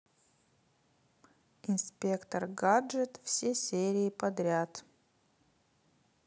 инспектор гаджет все серии подряд